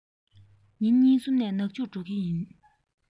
ཉིན གཉིས གསུམ ནས ནག ཆུར འགྲོ གི ཡིན